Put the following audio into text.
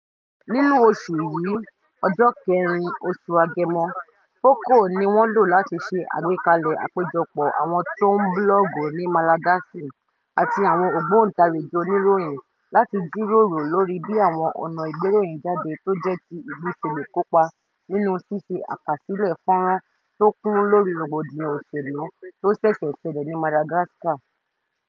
Nínú oṣù yìí (ní July 4th) FOKO ni wọ́n lò láti ṣe àgbékalẹ̀ àpéjọpọ̀ àwọn tó ń búlọọ̀gù ní Malagasy àti àwọn ògbóntarigì onìroyìn láti jíròrò lórí bí àwọn ọ̀nà ìgbéròyìn jáde tó jẹ̀ ti ìlú ṣe lè kópa nínu ṣíṣe àkásilẹ̀ fọ́nran tó kún lóri rógbòdìyàn òṣèlú tó ṣẹ̀ṣẹ̀ ṣẹlẹ ní Madagascar.